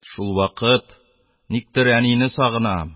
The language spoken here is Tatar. Шул вакыт никтер әнине сагынам.